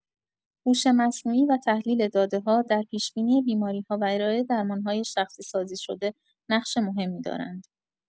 هوش مصنوعی و تحلیل داده‌ها در پیش‌بینی بیماری‌ها و ارائه درمان‌های شخصی‌سازی‌شده نقش مهمی دارند.